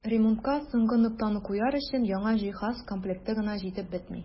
Ремонтка соңгы ноктаны куяр өчен яңа җиһаз комплекты гына җитеп бетми.